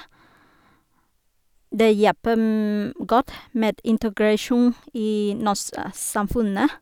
Det hjelper m godt med integrasjon i norske samfunnet.